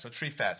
So, tri pheth.